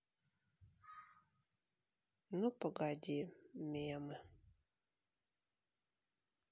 ну погоди мемы